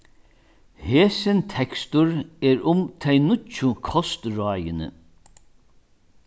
hesin tekstur er um tey nýggju kostráðini